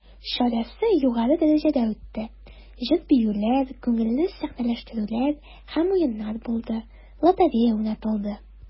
Чарасы югары дәрәҗәдә үтте, җыр-биюләр, күңелле сәхнәләштерүләр һәм уеннар булды, лотерея уйнатылды.